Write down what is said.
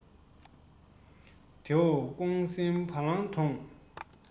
དེ འོག ཀོང སྲིང བ ལང དོང